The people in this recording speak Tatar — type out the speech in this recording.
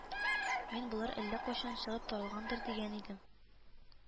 Мин болар әллә кайчан чыгып таралгандыр дигән идем